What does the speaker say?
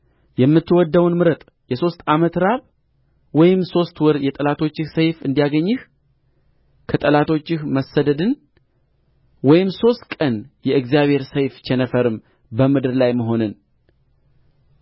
የምትወድደውን ምረጥ የሦስት ዓመት ራብ ወይም ሦስት ወር የጠላቶችህ ሰይፍ እንዲያገኝህ ከጠላቶችህ መሰደድን ወይም ሦስት ቀን የእግዚአብሔር ሰይፍ ቸነፈርም በምድር ላይ መሆንን